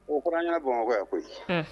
Ouran' bamakɔ koyi